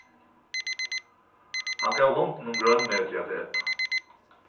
hon gav hundinum grønmeti at eta